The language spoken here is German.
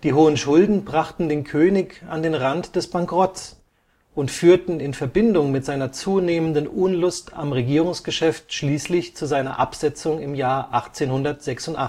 hohen Schulden brachten den König an den Rand des Bankrotts und führten in Verbindung mit seiner zunehmenden Unlust am Regierungsgeschäft schließlich zu seiner Absetzung 1886